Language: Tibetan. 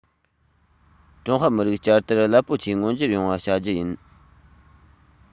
ཀྲུང ཧྭ མི རིགས བསྐྱར དར རླབས པོ ཆེ མངོན འགྱུར ཡོང བ བྱ རྒྱུ ཡིན